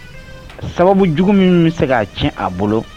Sabu jugu minnu bɛ se a tiɲɛ a bolo